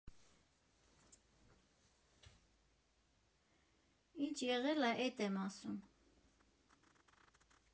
Ինչ եղել ա, էդ եմ ասում։